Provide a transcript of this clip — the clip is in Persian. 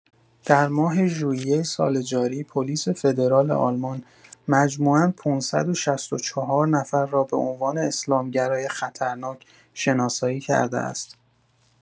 در ماه ژوئیه سال جاری، پلیس فدرال آلمان مجموعا ۵۶۴ نفر را به عنوان اسلامگرای خطرناک شناسایی کرده است.